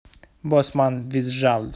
boss man визжал